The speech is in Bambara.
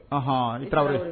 Hhɔn i tarawele